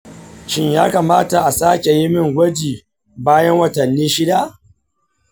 shin ya kamata a sake yi min gwaji bayan watanni shida?